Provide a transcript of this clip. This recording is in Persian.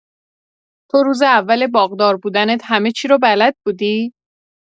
تو روز اول باغدار بودنت همه‌چی رو بلد بودی؟